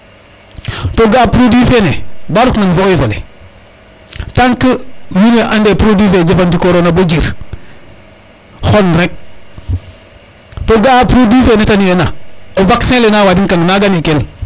to ga a produit fene ba rokna fo oy folene tank wiin we ande produit fe njefandiko rona bo jir xon rek to ga a produit fe nete ne ena o vaccin le na wading kang naga ne kel